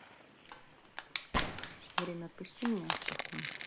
время отпусти меня островком